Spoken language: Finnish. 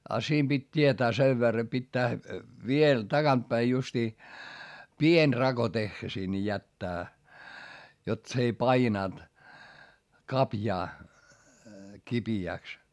ja siinä piti tietää sen verran pitää vielä takaa päin justiin pieni rako tehdä sinne jättää jotta se ei painanut kaviota kipeäksi